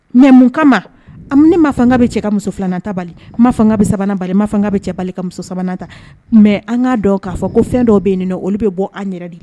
Mɛ mun kama ne ma fanga bɛ cɛ ka muso filananta bali ma fanga bɛ sabanan bali ma fanga bɛ bali ka musota mɛ an'a dɔn k'a fɔ ko fɛn dɔw bɛ nin olu bɛ bɔ an yɛrɛ de ye